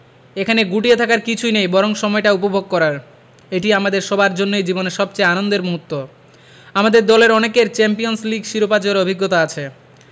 এখানে গুটিয়ে থাকার কিছু নেই বরং সময়টা উপভোগ করার এটি আমাদের সবার জন্যই জীবনের সবচেয়ে আনন্দের মুহূর্ত আমাদের দলের অনেকের চ্যাম্পিয়নস লিগ শিরোপা জয়ের অভিজ্ঞতা আছে